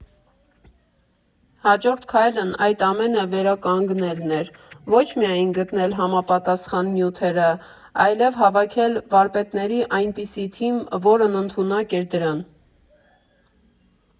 Հաջորդ քայլն այդ ամենը վերականգնելն էր՝ ոչ միայն գտնել համապատասխան նյութերը, այլև հավաքել վարպետների այնպիսի թիմ, որն ընդունակ էր դրան։